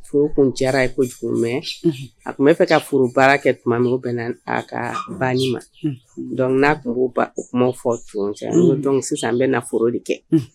Furu kun ca ye ko jugu mɛn a tun bɛa fɛ ka foro baara kɛ tuma min bɛna' ka ban ma n'a tun b'o o kumaw fɔ cɛ n sisan an bɛna na foro de kɛ